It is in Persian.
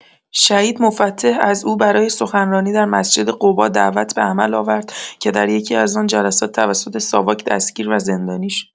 شهید مفتح از او برای سخنرانی در مسجد قبا دعوت به عمل آورد که در یکی‌از آن جلسات توسط ساواک دستگیر و زندانی شد.